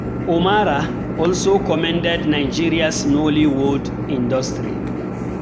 Omarah also commended Nigeria's Nollywood industry.